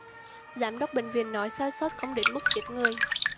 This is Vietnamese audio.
giám đốc bệnh viện nói sai sót không đến mức chết người